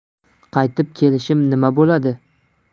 qaytib kelishim nima bo'ladi